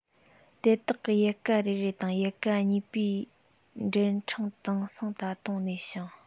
དེ དག གི ཡལ ག རེ རེ དང ཡལ ག གཉིས པའི འབྲེལ ཕྲེང དེང སང ད དུང གནས ཤིང